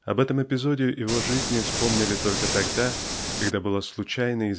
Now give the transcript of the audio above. Об этом эпизоде его жизни вспомнили только тогда когда была случайно